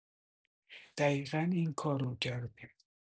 دقیقا اینکارو کردیم